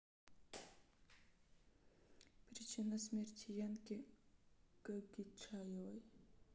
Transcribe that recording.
причина смерти янки гогичаевой